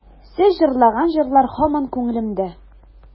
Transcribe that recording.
Сез җырлаган җырлар һаман күңелемдә.